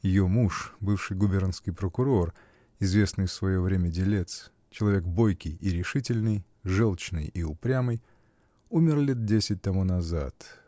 Ее муж, бывший губернский прокурор, известный в свое время делец, -- человек бойкий и решительный, желчный и упрямый, -- умер лет десять тому назад.